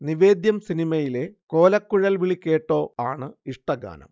നിവേദ്യം എന്ന സിനിമയിലെ കോലക്കുഴൽവിളി കേട്ടോ ആണ് ഇഷ്ടഗാനം